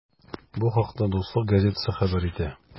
Бу хакта “Дуслык” газетасы хәбәр итә.